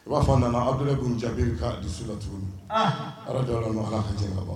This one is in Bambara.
I b'a fɔ a nana Abdulahi Bun Jabir ka hadisu la togomin anh Ala ka diɲɛ b'a ma